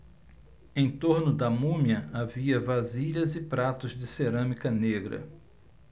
em torno da múmia havia vasilhas e pratos de cerâmica negra